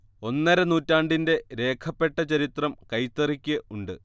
ഒന്നര നൂറ്റാണ്ടിന്റെ രേഖപ്പെട്ട ചരിത്രം കൈത്തറിക്ക് ഉണ്ട്